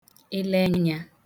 ele enyā